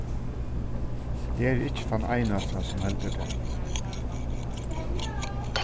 eg eri ikki tann einasta sum heldur tað